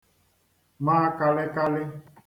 ma kalịkalị